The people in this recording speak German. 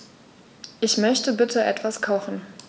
Ich möchte bitte etwas kochen.